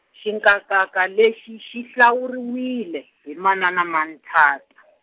xinkankanka lexi xi hlawuriwile, hi manana Manthata.